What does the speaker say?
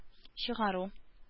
Чыгару